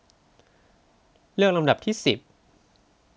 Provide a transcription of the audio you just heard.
เลือกลำดับที่สิบ